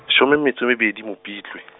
some metso e mebedi Mopitlwe.